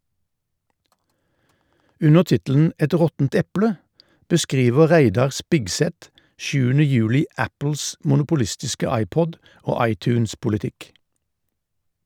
Under tittelen "Et råttent eple" beskriver Reidar Spigseth 7. juli Apples monopolistiske iPod- og iTunes-politikk.